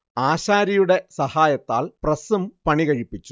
ആശാരിയുടെ സഹായത്താൽ പ്രസ്സും പണികഴിപ്പിച്ചു